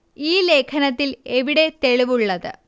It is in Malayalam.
ഈ ലേഖനത്തിൽ എവിടെ തെളിവ് ഉള്ളത്